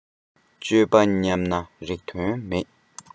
སྤྱོད པ ཉམས ན རིགས དོན མེད